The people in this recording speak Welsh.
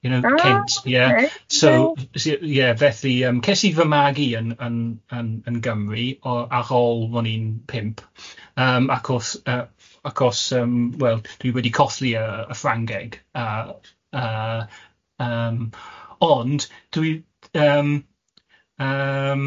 You know kids, yeah so yeah felly yym ces i fy magu yn yn yn Gymru o- ar ôl o'n i'n pump, yym achos yy achos yym wel dwi wedi colli y y Ffrangeg a yy yym ond dwi yym yym